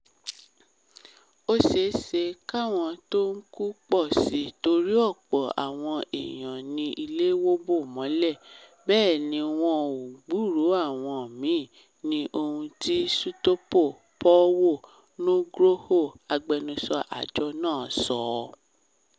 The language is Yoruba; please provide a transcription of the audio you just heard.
”Ó ṣeéṣe k’áwọn t’ọ́n kú pọ̀ si torí ọ̀pọ̀ àwọn èèyàn ni ilé wò bò mọ́lẹ̀, bẹ́ẹ̀ ni wọn ‘ò gbúròó àwọn míì,” ni ohun tí Sutopo Purwo Nugroho, agbẹnusọ àjọ náà sọ.